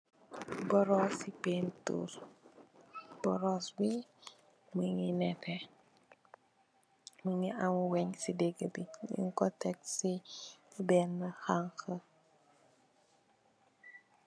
Borus ci penturr, borus bi mungi nètè, mungi am wënn ci digi bi. Nung ko tekk ci benen hankha.